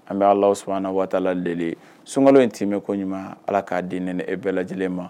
An bɛ ala s waa deli sunkalo in ti bɛ ko ɲuman ala k'a diinɛ e bɛɛ lajɛlen ma